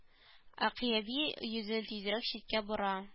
Акъәби йөзен тизрәк читкә бора